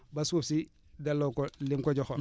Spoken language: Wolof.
ba suuf si delloo ko li mu ko joxoon